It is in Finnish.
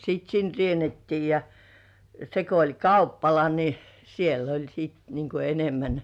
sitten sinne riennettiin ja se kun oli kauppala niin siellä oli sitten niin kuin enemmän